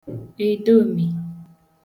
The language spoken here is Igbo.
èdomì